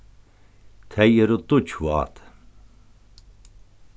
tey eru dýggjvát